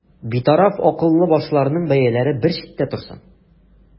Битараф акыллы башларның бәяләре бер читтә торсын.